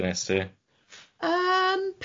Be wnes di?